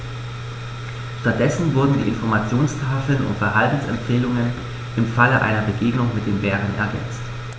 Stattdessen wurden die Informationstafeln um Verhaltensempfehlungen im Falle einer Begegnung mit dem Bären ergänzt.